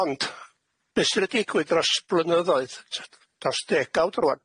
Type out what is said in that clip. Ond be' sy'n y' digwydd dros blynyddoedd t- dros degawd rŵan?